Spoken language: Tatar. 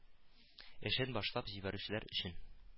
Эшен башлап ибәрүчеләр өчен